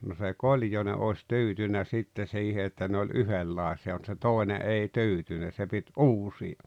no se Koljonen olisi tyytynyt sitten siihen että ne oli yhdenlaisia mutta se toinen ei tyytynyt se piti uusia